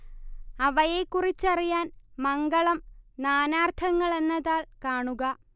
അവയെക്കുറിച്ചറിയാൻ മംഗളം നാനാർത്ഥങ്ങൾ എന്ന താൾ കാണുക